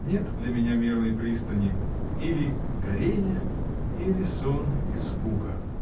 Нет для меня мирной пристани: или горение, или — сон и скука!